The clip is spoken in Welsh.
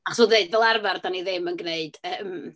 Achos fel o'n i'n deud, fel arfer dan ni ddim yn gwneud yym...